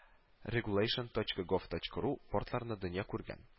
Регулэйшен точка гов точка ру порталарында дөнья күргән